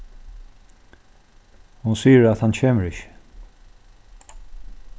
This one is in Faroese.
hon sigur at hann kemur ikki